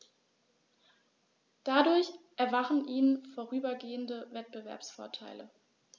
Dadurch erwachsen ihnen vorübergehend Wettbewerbsvorteile.